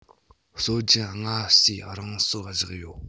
སྲོལ རྒྱུན སྔ ཟས རང སོར བཞག ཡོད